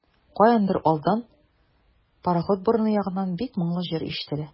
Каяндыр алдан, пароход борыны ягыннан, бик моңлы җыр ишетелә.